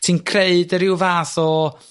ti'n creu dy ryw fath o